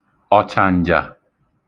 ọ̀chàǹjà